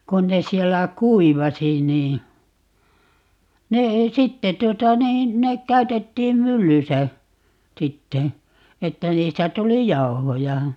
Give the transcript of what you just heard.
kun ne siellä kuivasi niin ne ei sitten tuota niin ne käytettiin myllyssä sitten että niistä tuli jauhoja